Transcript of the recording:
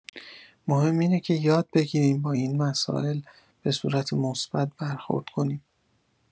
مهم اینه که یاد بگیریم با این مسائل به‌صورت مثبت برخورد کنیم.